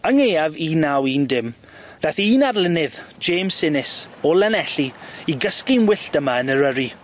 Yng ngaeaf un naw un dim dath un arlunydd James Sinis o Lanelli i gysgu'n wyllt yma yn Eryri.